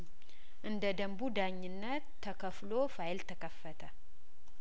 እንደ ደንቡ ዳኝነት ተከፍሎ ፋይል ተከፈተ